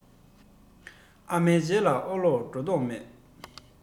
ཨ མའི རྗེས ལ ཨོ ལོ འགྲོ མདོག མེད